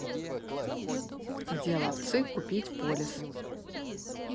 где ловцы купить полис